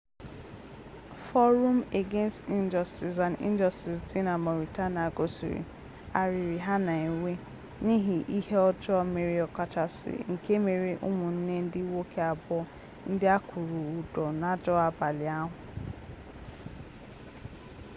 Forum Against Injustice and Injustice dị na Mauritania gosiri arịrị ha na-enwe n'ihi ihe ọjọọ mere ọkachasị nke mere ụmụnne ndị nwoke abụọ ndị a kwụrụ ụdọ n'ajọ abalị ahụ: